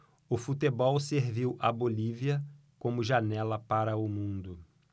o futebol serviu à bolívia como janela para o mundo